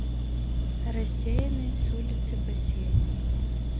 рассеянный с улицы бассейной